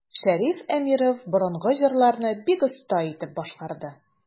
Шәриф Әмиров борынгы җырларны бик оста итеп башкарды.